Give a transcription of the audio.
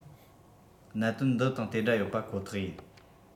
གནད དོན འདི དང དེ འདྲ ཡོད པ ཁོ ཐག ཡིན